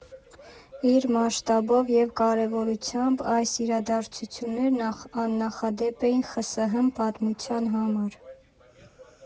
Իր մասշտաբով և կարևորությամբ այս իրադարձություններն աննախադեպ էին ԽՍՀՄ պատմության համար։